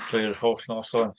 Trwy'r holl noson.